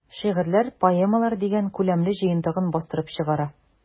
"шигырьләр, поэмалар” дигән күләмле җыентыгын бастырып чыгара.